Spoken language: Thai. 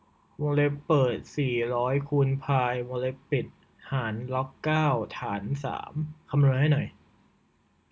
วงเล็บเปิดสี่ร้อยคูณพายวงเล็บปิดหารล็อกเก้าฐานสามคำนวณให้หน่อย